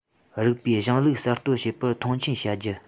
རིགས པའི གཞུང ལུགས གསར གཏོད བྱེད པར མཐོང ཆེན བྱ རྒྱུ